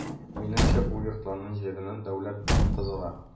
Минемчә бу йортларның җиренә дәүләт бик кызыга.